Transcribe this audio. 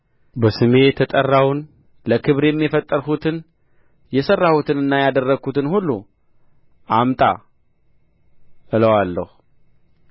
በስሜ የተጠራውን ለክብሬም የፈጠርሁትን የሠራሁትንና ያደረግሁትን ሁሉ አምጣ እለዋለሁ